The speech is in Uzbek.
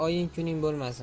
oying kuning bo'lmasin